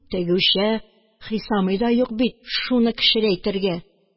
Тегүче Хисами да юк бит шуны кечерәйтергә...